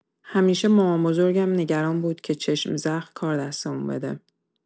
همیشه مامان بزرگم نگران بود که چشم‌زخم کار دستمون بده.